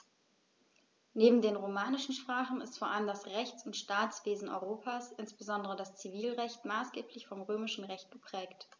Neben den romanischen Sprachen ist vor allem das Rechts- und Staatswesen Europas, insbesondere das Zivilrecht, maßgeblich vom Römischen Recht geprägt.